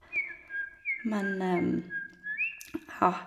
Men ja.